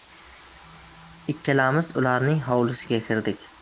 ikkalamiz ularning hovlisiga kirdik